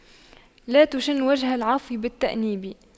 لا تشن وجه العفو بالتأنيب